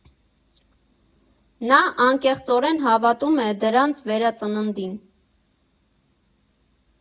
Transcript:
Նա անկեղծորեն հավատում է դրանց վերածննդին։